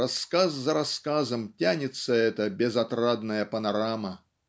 рассказ за рассказом тянется эта безотрадная панорама